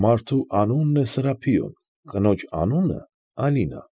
Մարդու անունն է Սրափիոն, կնոջ անունը՝ Ալինա։